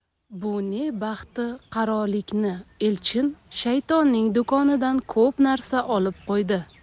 bu ne baxti qaroliqki elchin shayton ning do'konidan ko'p narsa olib qo'ydi